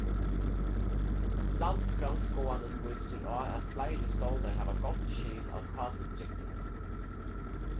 landsgrannskoðanin vísir á at fleiri stovnar hava gott skil á kt-trygdini